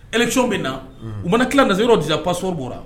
E c bɛ na u mana tila nazyɔrɔ dira paso bɔra